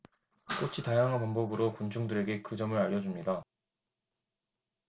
꽃이 다양한 방법으로 곤충들에게 그 점을 알려 줍니다